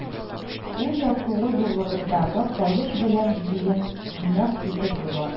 Кул яссуы зурлыгындагы каеш белән билен нык итеп буган